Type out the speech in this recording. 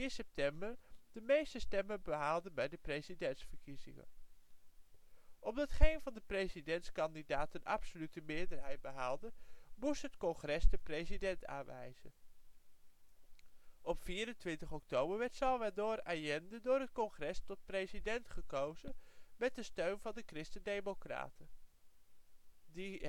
september de meeste stemmen behaalde bij de presidentsverkiezingen. Omdat geen van de presidentskandidaten een absolute meerderheid had behaald, moest het Congres de president aanwijzen. Op 24 oktober werd Salvador Allende door het Congres tot president gekozen met steun van de christen-democraten, die